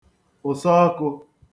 ụ̀sọọkụ̄